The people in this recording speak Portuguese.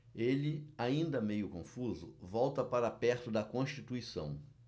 ele ainda meio confuso volta para perto de constituição